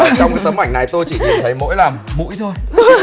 trong tấm ảnh này tôi chỉ nhìn thấy mỗi là mũi thôi